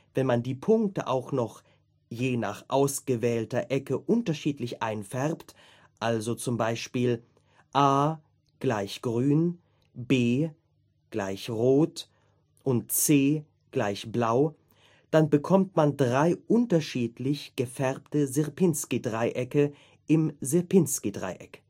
Wenn man die Punkte auch noch je nach ausgewählter Ecke unterschiedlich einfärbt, also z.B. A = grün, B = rot und C = blau, dann bekommt man drei unterschiedlich gefärbte Sierpinski-Dreiecke im Sierpinski-Dreieck